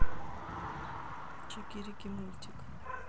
чики рики мультик